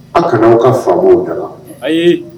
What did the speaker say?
A kana aw ka faamuw ta ayi